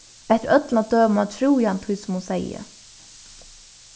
eftir øllum at døma trúði hann tí sum hon segði